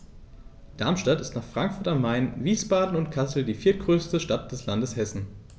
Darmstadt ist nach Frankfurt am Main, Wiesbaden und Kassel die viertgrößte Stadt des Landes Hessen